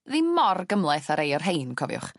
Ddim mor gymhleth a rei o rhein cofiwch.